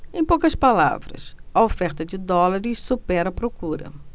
em poucas palavras a oferta de dólares supera a procura